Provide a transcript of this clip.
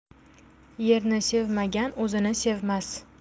yerni sevmagan o'zini sevmas